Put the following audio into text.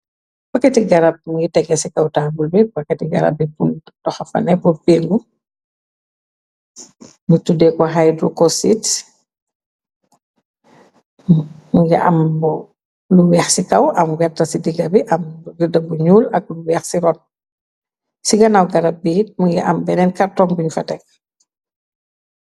Pakkati garab muy tege ci kaw tambul bi. Pakkati garab bi punt doxa fa nepu pingu mi tuddee ko hydroco sit. Mu ngi am lu weex ci kaw am wetta ci diga bi am ruta bu ñuul ak lu weex ci ron. Ci ganaaw garab bii mungi am beneen katton buñu fa teg.